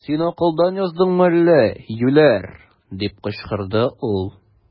Син акылдан яздыңмы әллә, юләр! - дип кычкырды ул.